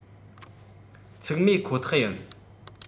འཚིག རྨས ཁོ ཐག ཡིན